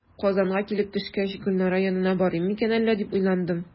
Казанга килеп төшкәч, "Гөлнара янына барыйм микән әллә?", дип уйландым.